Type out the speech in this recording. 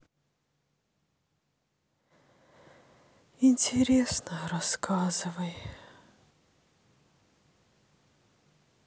интересно рассказывай